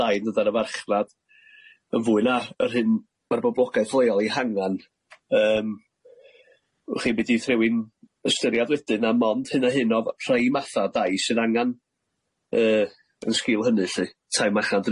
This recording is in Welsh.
dda i ddod ar y farchnad yn fwy na'r yr hyn ma'r boblogaeth leol i hangan yym wch chi ellith rywun ystyriad wedyn na mond hyn a hyn o f- rhei matha dai sy'n angan yy yn sgil hynny lly tai machnad